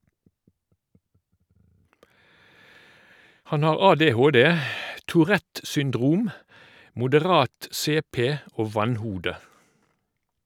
Han har ADHD, tourette syndrom, moderat CP og vannhode.